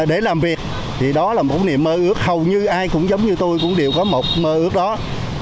để làm việc thì đó là một niềm mơ ước hầu như ai cũng giống như tôi cũng đều có một mơ ước đó